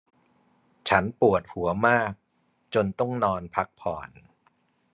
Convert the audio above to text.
ฉันปวดหัวมากจนต้องนอนพักผ่อน